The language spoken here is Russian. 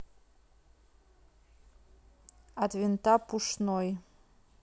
от винта пушной